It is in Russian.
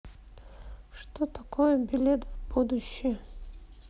что такое билет в будущее